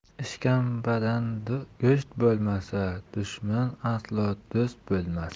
ishkambadan go'sht bo'lmas dushman aslo do'st bo'lmas